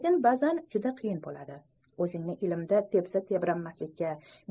lekin ba'zan juda qiyin bo'ladi o'zingni ilmda tepsa tebranmaslikka